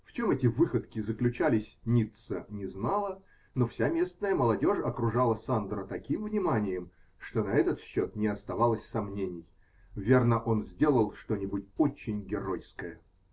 В чем эти "выходки" заключались, Ницца не знала, но вся местная молодежь окружала Сандро таким вниманием, что на этот счет не оставалось сомнений: верно, он сделал что-нибудь очень геройское.